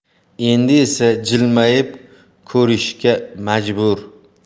endi esa jilmayib ko'rishishga majbur